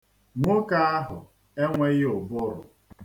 Nwoke ahụ enweghị ụbụrụ.